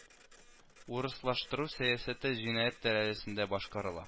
Урыслаштыру сәясәте җинаять дәрәҗәсендә башкарыла